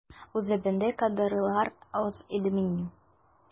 Үзебездә кадрлар аз идемени?